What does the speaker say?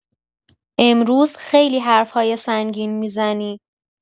امروز خیلی حرف‌های سنگین می‌زنی.